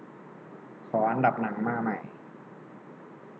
ขออันดับหนังมาใหม่